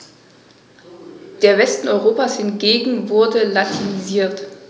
Der Westen Europas hingegen wurde latinisiert.